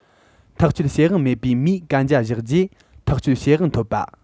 ཐག གཅོད བྱེད དབང མེད པའི མིས གན རྒྱ བཞག རྗེས ཐག གཅོད བྱེད དབང ཐོབ པ